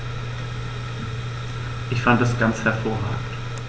Ich fand das ganz hervorragend.